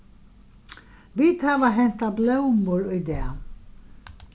vit hava hentað blómur í dag